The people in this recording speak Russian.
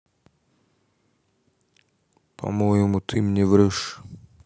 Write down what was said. по моему ты мне врешь